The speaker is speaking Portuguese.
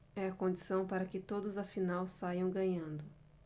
é a condição para que todos afinal saiam ganhando